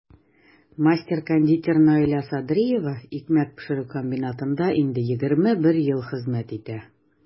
Мастер-кондитер Наилә Садриева икмәк пешерү комбинатында инде 21 ел хезмәт итә.